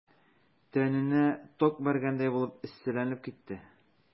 Тәненә ток бәргәндәй булып эсселәнеп китте.